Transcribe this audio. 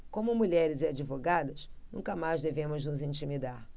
como mulheres e advogadas nunca mais devemos nos intimidar